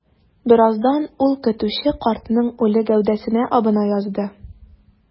Бераздан ул көтүче картның үле гәүдәсенә абына язды.